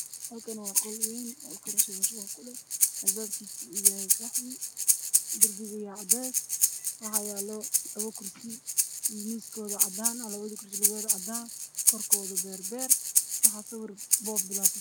Meeshan waxaa ka muuqday durba cadeys ah waxaa ag yaalo labo kursi oo guud ah iyo miis caddeys ah